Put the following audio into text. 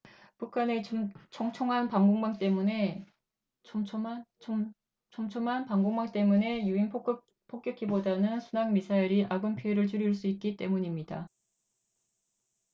북한의 촘촘한 방공망 때문에 유인 폭격기보다는 순항미사일이 아군 피해를 줄일 수 있기 때문입니다